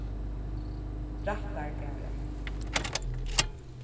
rættargarðar